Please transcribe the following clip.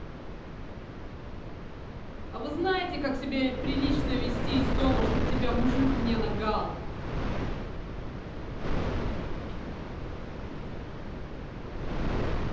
а вы знаете как себя прилично вести из дома чтоб тебя мужик мне nagal